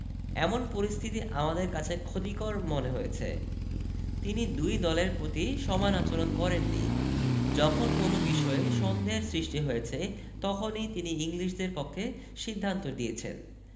এমন পরিস্থিতি আমাদের কাছে ক্ষতিকর মনে হয়েছে তিনি দুই দলের প্রতি সমান আচরণ করেননি যখন কোনো বিষয়ে সন্দেহের সৃষ্টি হয়েছে তখনই তিনি ইংলিশদের পক্ষে সিদ্ধান্ত দিয়েছেন